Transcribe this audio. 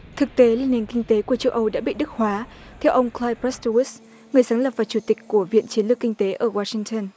thực tế là nền kinh tế của châu âu đã bị đức hóa theo ông kai bớt tu uốt người sáng lập và chủ tịch của viện chiến lược kinh tế ở oa sinh thơn